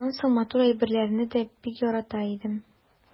Аннан соң матур әйберләрне дә бик ярата идем.